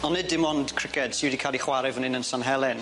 On' nid dim ond criced sy wedi ca'l 'i chware fyn 'yn yn San Helen.